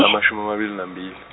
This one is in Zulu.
amashumi amabili nambili.